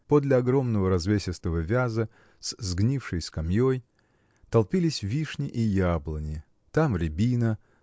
Подле огромного развесистого вяза, с сгнившей скамьей, толпились вишни и яблони там рябина